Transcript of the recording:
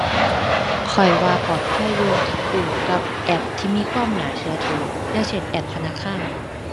ข้อยว่าปลอดภัยอยู่ถ้ากู้กับแอปที่มีความน่าเชื่อถือ อย่างเช่น แอปธนาคาร